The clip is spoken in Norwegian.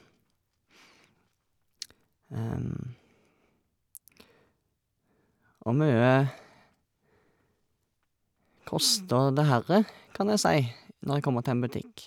Å mye koster det herre, kan jeg si når jeg kommer til en butikk.